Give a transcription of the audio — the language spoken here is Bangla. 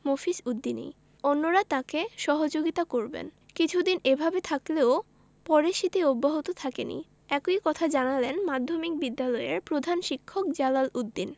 মফিজ উদ্দিনই অন্যরা তাঁকে সহযোগিতা করবেন কিছুদিন এভাবে চললেও পরে সেটি অব্যাহত থাকেনি একই কথা জানালেন মাধ্যমিক বিদ্যালয়ের প্রধান শিক্ষক জালাল উদ্দিন